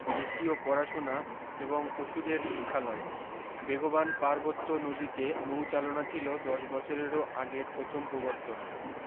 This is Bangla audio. এশীয় পড়াশুনা এবং ওষুধের শিক্ষালয় বেগবান পার্বত্য নদীতে নৌচালনা ছিল দশ বছরেরও আগের প্রথম প্রবর্তন